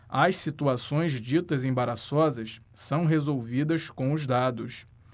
as situações ditas embaraçosas são resolvidas com os dados